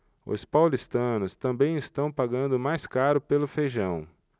os paulistanos também estão pagando mais caro pelo feijão